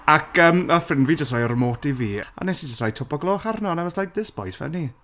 Ac yym wnaeth ffrind fi jyst roi'r remote i fi a wnes i jyst rhoi Twp o'r Gloch arno and I was like, this boy's funny.